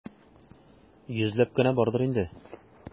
Йөзләп кенә бардыр инде.